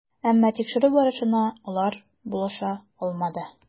Әмма тикшерү барышына алар булыша алмады.